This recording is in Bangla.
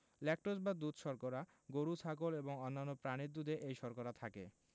ল্যাকটোজ বা দুধ শর্করা গরু ছাগল এবং অন্যান্য প্রাণীর দুধে এই শর্করা থাকে